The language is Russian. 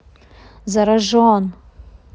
заражен